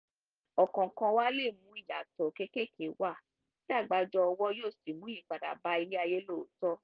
Ọ̀kọ̀ọ̀kan wa lè mú ìyàtọ̀ kéékéèké wa tí àgbájọ ọwọ́ wa yóò sì mú àyípadà bá ilé ayé lóòótọ́.